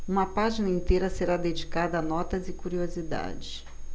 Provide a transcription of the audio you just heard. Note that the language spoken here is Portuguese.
uma página inteira será dedicada a notas e curiosidades